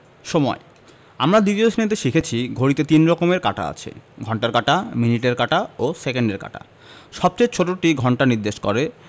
সময়ঃ আমরা ২য় শ্রেণিতে শিখেছি ঘড়িতে ৩ রকমের কাঁটা আছে ঘণ্টার কাঁটা মিনিটের কাঁটা ও সেকেন্ডের কাঁটা সবচেয়ে ছোটটি ঘন্টা নির্দেশ করে